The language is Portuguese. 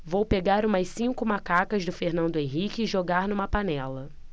vou pegar umas cinco macacas do fernando henrique e jogar numa panela